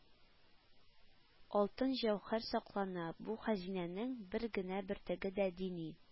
Алтын-җәүһәр саклана, бу хәзинәнең бер генә бөртеге дә дини